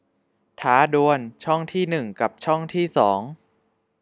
ท้าดวลช่องที่หนึ่งกับช่องที่สอง